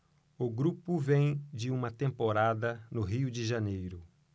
o grupo vem de uma temporada no rio de janeiro